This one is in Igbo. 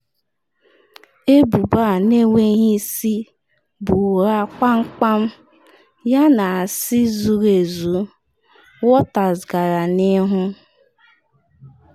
“Ebubo a n’enwegh isi bụ ụgha kpamkpam yana asị zuru ezu,”Waters gara n’ihu.